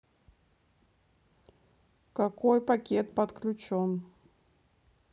какой пакет подключен